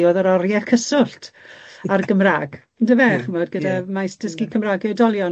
###o'dd yr oriau cyswllt a'r Gymra'g yndyfe ch'mod gyda maes dysgu Cymra'g i oedolion.